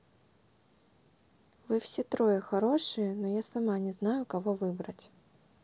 вы все трое хорошие но я сама не знаю кого выбрать